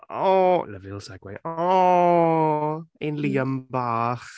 Oh! Lovely little segue! Oh! Ein Liam bach.